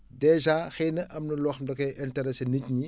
dèjà xëy na am na loo xam da koy interesser nit ñi